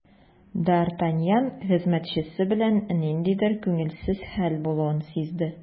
Д’Артаньян хезмәтчесе белән ниндидер күңелсез хәл булуын сизде.